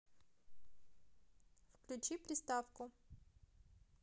включи приставку